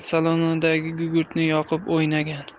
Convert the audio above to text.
salonidagi gugurtni yoqib o'ynagan